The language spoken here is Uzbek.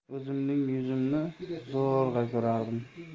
o'zimning yuzimni zo'rg'a ko'rardim